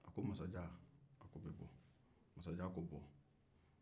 a ko n bɛ bɔ masajan